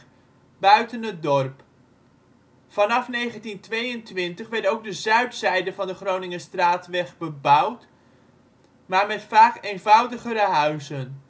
buiten het dorp. Vanaf 1922 werd ook de zuidzijde van de Groningerstraatweg bebouwd, maar met vaak eenvoudigere huizen